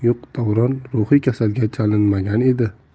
yo'q davron ruhiy kasalga chalinmagan edi